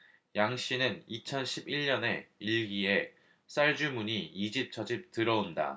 양씨는 이천 십 일 년에 일기에 쌀 주문이 이집저집 들어온다